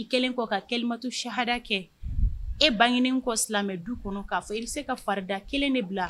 Ka kɛtu ha kɛ e bange kɔ silamɛ du kɔnɔ k'a fɔ e bɛ se ka farida kelen de bila